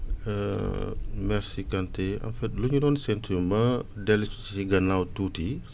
merci Kanté en fait lu ñu doon séntu ma dellu si ci gannaaw tuuti